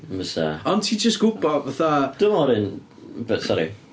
Fysa... Ond ti jyst gwbod fatha... Dwi'n meddwl yr un... be sori?